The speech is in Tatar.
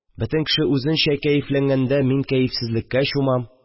Бөтен кеше үзенчә кәефләнгәндә, мин кәефсезлеккә чумам